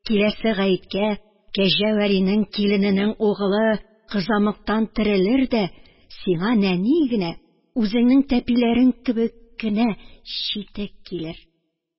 Киләсе гаеткә Кәҗә Вәлинең килененең угылы кызамыктан терелер дә, сиңа нәни генә, үзеңнең тәпиләрең кебек кенә читек килер.